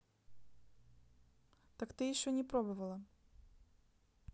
как ты еще не пробовала